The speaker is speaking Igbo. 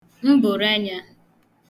mbụ̀rụ̀ enyā